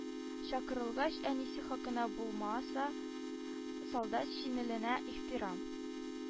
Чакырылгач, әнисе хакына булмаса, солдат шинеленә ихтирам